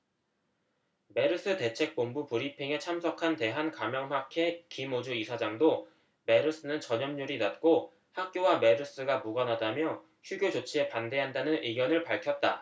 메르스 대책본부 브리핑에 참석한 대한감염학회 김우주 이사장도 메르스는 전염률이 낮고 학교와 메르스가 무관하다며 휴교 조치에 반대한다는 의견을 밝혔다